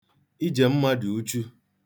Ijemma dị uchu.